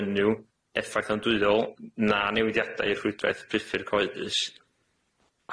unrhyw effaith yndwyol na newidiada i'r rhwydwaith priffyr coeddus